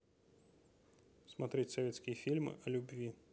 смотреть советские фильмы о любви